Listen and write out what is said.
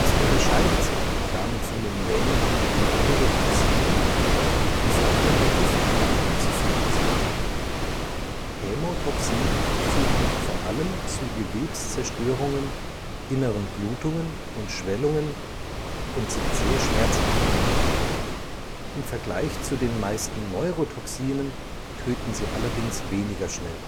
unterscheidet sich damit von den lähmenden Neurotoxinen, die vor allem bei Giftnattern zu finden sind. Hämotoxine führen vor allem zu Gewebszerstörungen, inneren Blutungen und Schwellungen und sind sehr schmerzhaft, im Vergleich zu den meisten Neurotoxinen töten sie allerdings weniger schnell